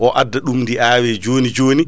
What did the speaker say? o adda ɗum ndi awe joni joni